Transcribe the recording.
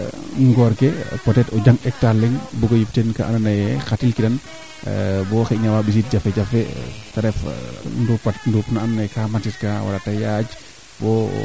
i a tosa le xay maado jegaa ndaa plus moyen refa tu ndaa taxar ke koy den mbañ wu so suqi ke mbaxoogeena mboda tee naaga encore suqi fee de mbaxa waaga ga suqi faa ando naye waaga ga puus